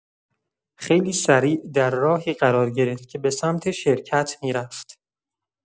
خیلی سریع در راهی قرار گرفت که به‌سمت شرکت می‌رفت.